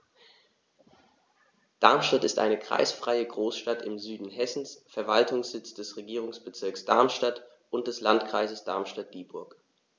Darmstadt ist eine kreisfreie Großstadt im Süden Hessens, Verwaltungssitz des Regierungsbezirks Darmstadt und des Landkreises Darmstadt-Dieburg.